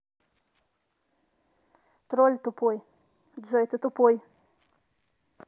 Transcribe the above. троль тупой джой ты тупой